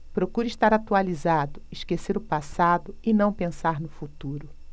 procuro estar atualizado esquecer o passado e não pensar no futuro